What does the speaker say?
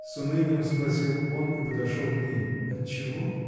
— с унынием спросил он и подошел к ней. — Отчего?.